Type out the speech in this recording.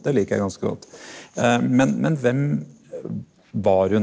det liker jeg ganske godt men men hvem var hun?